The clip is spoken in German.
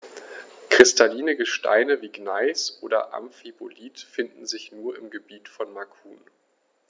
Kristalline Gesteine wie Gneis oder Amphibolit finden sich nur im Gebiet von Macun.